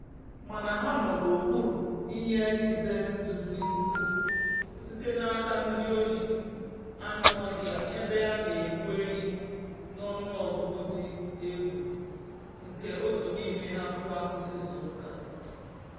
Mana ha nọ n'okpuru ihe ize ndụ dị ukwuu site n'aka ndị ohi anụ ọhịa, ebe a na-egbu enyi n'ọnụọgụgụ dị egwu nke otu n'ime ha kwa izuụka